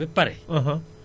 mën na am mu yàqu effectivement